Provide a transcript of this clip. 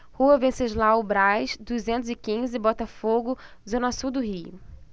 rua venceslau braz duzentos e quinze botafogo zona sul do rio